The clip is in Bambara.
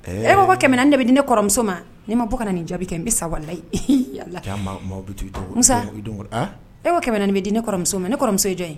E ne bɛ di nemuso ma ne ma ka nin jaabi kɛ n bɛ sa ne bɛ di nemuso ma nemuso ye jɔn ye